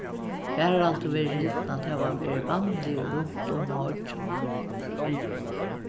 baraldur verður hildin at hava verið vanligur runt um á oyggjunum